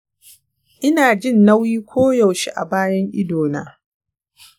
ina jin nauyi koyaushe a bayan idona.